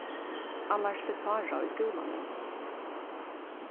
annars fer sára í skúla nú